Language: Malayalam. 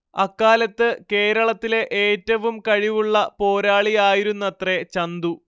അക്കാലത്ത് കേരളത്തിലെ ഏറ്റവും കഴിവുള്ള പോരാളിയായിരുന്നത്രേ ചന്തു